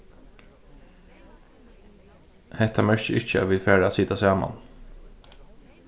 hetta merkir ikki at vit fara at sita saman